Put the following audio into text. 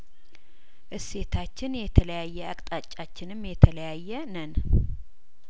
እሴታችን የተለያየአቅጣጫ ችንም የተለያየነን